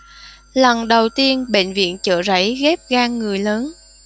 lần đầu tiên bệnh viện chợ rẫy ghép gan người lớn